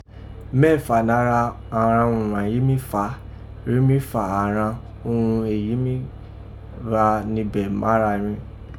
Mẹ́fà nara àghan urun yìí fà á, rèé mí fa àghan urun èyí gha nibẹ̀ mára rin..